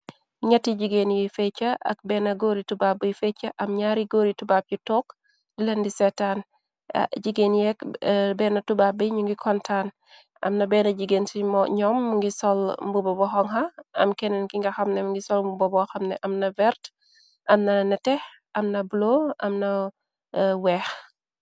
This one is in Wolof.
Nyatti jigéen yi fecca ak benn góori tuba by fecca am ñyaari góori tubab yu took dilan di seetaan jigéen yik benn tubabi ñu ngi kontaan amna benn jigéen ci ñoom ngi sol mbu bobokona am kenneen ki nga xamne ngi sol mu bobo xamne amna werte amna nete amna blo amna weex.